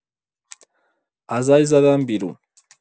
ازش زدم بیرون.